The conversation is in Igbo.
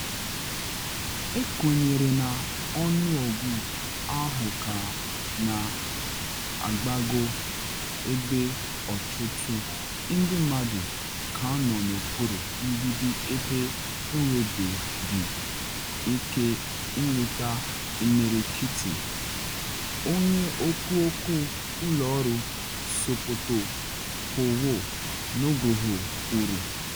“Ekwenyere na ọnụọgụ ahụ ka na agbago ebe ọtụtụ ndị mmadụ ka nọ n’okpuru mbibi ebe enwebeghị ike ịnweta imirikiti,” onye okwu okwu ụlọ ọrụ Sutopo Purwo Nugroho kwuru.